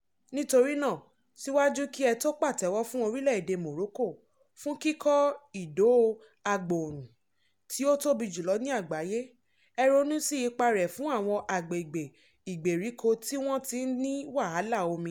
Nítorí náà síwájú kí ẹ tó pàtẹ́wọ́ fún orílẹ̀ èdè Morocco fún kíkọ́ ìdó agbòòrùn tí ó tóbi jùlọ ní àgbáyé, ẹ ronú sí ipá rẹ̀ fún àwọn agbègbè ìgbèríko tí wọ́n ti ń ní wàhálà omi.